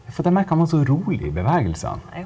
for at jeg merka han var så rolig i bevegelsene.